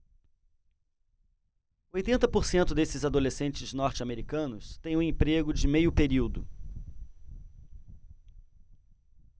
oitenta por cento desses adolescentes norte-americanos têm um emprego de meio período